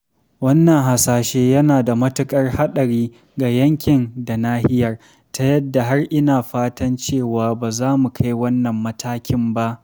Wannan hasashe yana da matuƙar haɗari ga yankin da nahiyar, ta yadda har ina fatan cewa ba za mu kai wannan matakin ba.